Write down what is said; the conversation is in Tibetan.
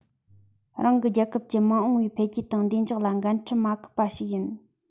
རང གི རྒྱལ ཁབ ཀྱི མ འོངས པའི འཕེལ རྒྱས དང བདེ འཇགས ལ འགན འཁྲི མ འཁུར པ ཞིག ཡིན